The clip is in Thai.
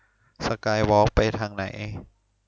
สกายวอล์คไปทางไหน